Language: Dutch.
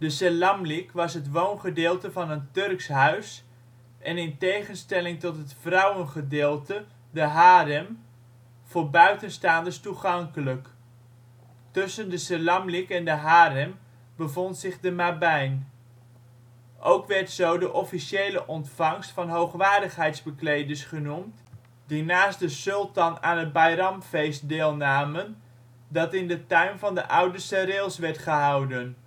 selamlik was het woongedeelte van een Turks huis en in tegenstelling tot het vrouwengedeelte, de harem, voor buitenstaanders toegankelijk. Tussen de selamlik en de harem bevond zich de mabein. Ook werd zo de officiële ontvangst van hoogwaardigheidsbekleders genoemd, die naast de sultan aan het beiramfeest deelnamen dat in de tuin van het oude serails werd gehouden